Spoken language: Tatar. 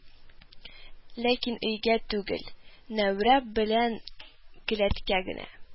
Ләкин өйгә түгел, нәүрәп белән келәткә генә